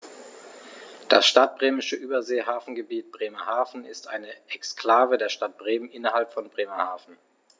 Das Stadtbremische Überseehafengebiet Bremerhaven ist eine Exklave der Stadt Bremen innerhalb von Bremerhaven.